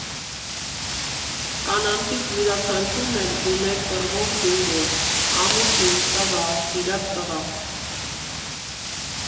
Կանանցից յուրքանաչյուրն էլ ուներ կռվող զինվոր՝ ամուսին, տղա, սիրած տղա։